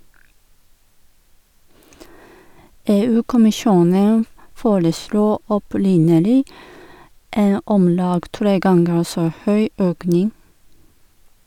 EU-kommisjonen foreslo opprinnelig en omlag tre ganger så høy økning.